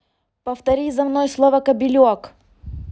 повтори за мной слово кобелек